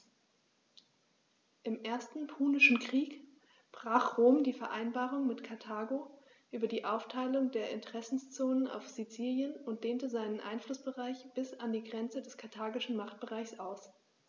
Im Ersten Punischen Krieg brach Rom die Vereinbarung mit Karthago über die Aufteilung der Interessenzonen auf Sizilien und dehnte seinen Einflussbereich bis an die Grenze des karthagischen Machtbereichs aus.